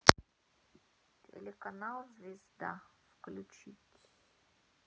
телеканал звезда включить